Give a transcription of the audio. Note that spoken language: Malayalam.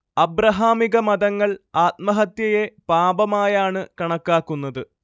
അബ്രഹാമികമതങ്ങൾ ആത്മഹത്യയെ പാപമായാണ് കണക്കാക്കുന്നത്